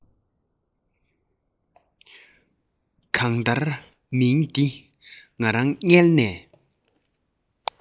གང ལྟར མིང འདི ང རང མངལ ནས